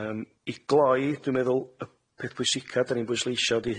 Yym, i gloi dwi'n meddwl y peth pwysica' 'dan ni'n bwysleisio ydi